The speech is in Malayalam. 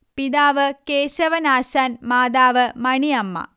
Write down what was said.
പിതാവ് കേശവൻ ആശാൻ മാതാവ് മണി അമ്മ